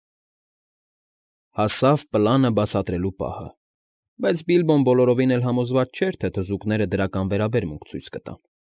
Հասավ պլանը բացատրելու պահը, բայց Բիլբոն բոլորովին էլ համոզված չէր, թե թզուկները դրական վերաբերմունք ցույց կտան։